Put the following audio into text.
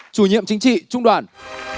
chủ nhiệm chính trị trung đoàn